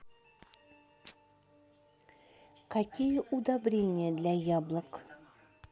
какие удобрения для яблок